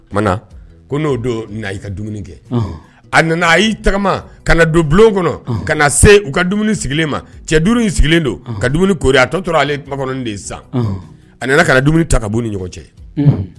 Ko n'o don i ka dumuni kɛ a nana a y'i tagama kana don bulonlon kɔnɔ ka se u ka dumuni sigilen ma cɛ duuru in sigilen don ka dumuni ko a tɔ tora ale kɔnɔn de zan a nana ka dumuni ta ka bon ni ɲɔgɔn cɛ